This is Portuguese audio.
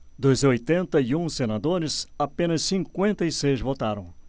dos oitenta e um senadores apenas cinquenta e seis votaram